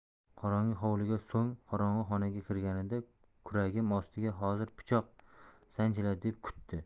qorong'i hovliga so'ng qorong'i xonaga kirganida kuragim ostiga hozir pichoq sanchiladi deb kutdi